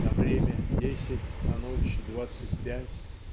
на время десять, на ночь - двадцать пять"